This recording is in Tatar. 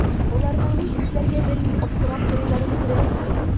Боларның ни эшләргә белми аптырап торуларын күрәбез бит.